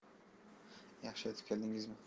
yaxshi yetib keldingizmi